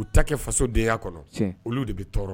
U ta kɛ fasodenya kɔnɔ olu de bɛ tɔɔrɔ